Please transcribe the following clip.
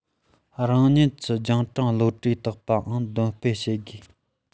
རང ཉིད ཀྱི སྤྱང གྲུང བློ གྲོས དག པའང འདོན སྤེལ བྱེད དགོས